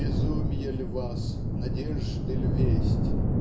Безумья ль в вас, надежды ль весть?